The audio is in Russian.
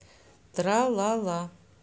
тра ла ла